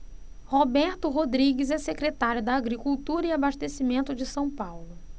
roberto rodrigues é secretário da agricultura e abastecimento de são paulo